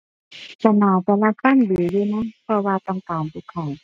ก็น่าจะรับฟังดีอยู่นะ เพราะว่าต้องการลูกค้า